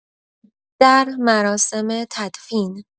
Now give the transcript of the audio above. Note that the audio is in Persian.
در مراسم تدفین